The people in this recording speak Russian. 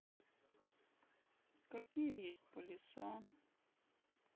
какие есть полеса